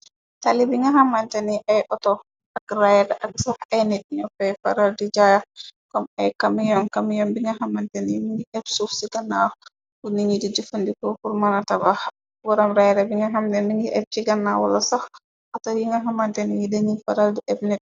Tali bi nga xamantani ay auto, ak rayra, ak sax ay nit ño fay faral di jaa, kom ay kamiyon, kamiyon bi nga xamante ni mi ngi eb suuf ci gannaax, ku niñi di jëfandi kokur mëna tabax, boram ryre bi nga xamne mi ngi ep ci gannawala sax ata, yi nga xamantani yi dañi faral du eb nit.